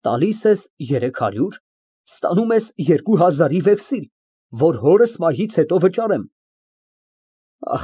Տալիս ես երեք հարյուր , ստանում ես երկու հազարի վեքսել, որ հորս մահից հետո վճարեմ, (Լռություն)։